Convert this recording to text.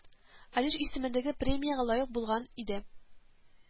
Алиш исемендәге премиягә лаек булган иде